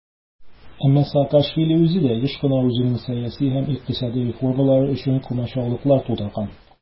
Әмма Саакашвили үзе дә еш кына үзенең сәяси һәм икътисади реформалары өчен комачаулыклар тудырган.